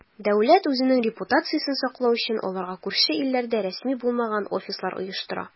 Дәүләт, үзенең репутациясен саклау өчен, аларга күрше илләрдә рәсми булмаган "офислар" оештыра.